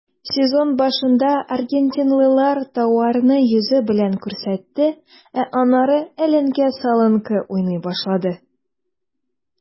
Сезон башында аргентинлылар тауарны йөзе белән күрсәтте, ә аннары эленке-салынкы уйный башлады.